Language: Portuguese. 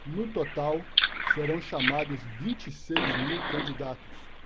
no total serão chamados vinte e seis mil candidatos